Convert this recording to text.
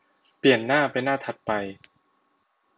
เปลี่ยนหน้าไปหน้าถัดไป